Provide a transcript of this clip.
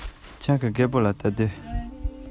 རིམ གྱིས དེ ལ བདེན པར བཟུང སོང